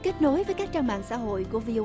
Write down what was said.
kết nối với các trang mạng xã hội của vi